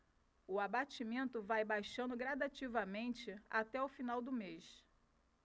o abatimento vai baixando gradativamente até o final do mês